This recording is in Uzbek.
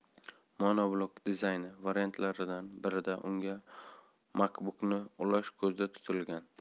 monoblok dizayni variantlaridan birida unga makbukni ulash ko'zda tutilgan